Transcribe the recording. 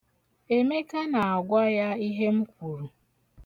Emeka na-agwa ya ihe m kwuru.